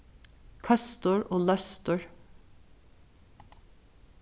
køstur og løstur